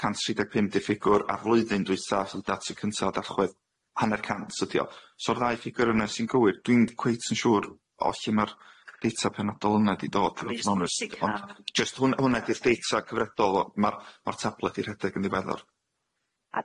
cant tri deg pum di'r ffigwr a'r flwyddyn dwi sa'l data cynta darchwedd hanner cant ydi o. So'r ddau ffigwr yna sy'n gywir dwi'm cweit yn siŵr o lle ma'r data penodol yna di dod to be honest ond jyst hwn hwnna di'r data cyfredol ma'r ma'r tablet di rhedeg yn ddiweddar.